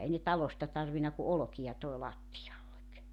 ei ne talosta tarvinnut kuin olkia toi lattialle